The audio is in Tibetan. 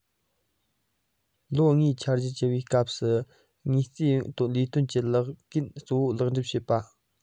ལོ ལྔའི འཆར གཞི བཅུ པའི སྐབས ཀྱི དངུལ རྩའི ལས དོན གྱི ལས འགན གཙོ བོ ལེགས འགྲུབ བྱེད པ